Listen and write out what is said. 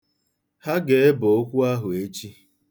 Ha ga-ebe okwu ahụ echi.